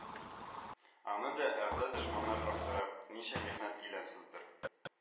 Аны да әгъда дошманнар актарыб, ничә михнәт илән саздыр